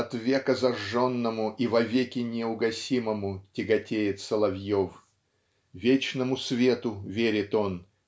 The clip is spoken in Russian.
от века зажженному и вовеки неугасимому тяготеет Соловьев. Вечному свету верит он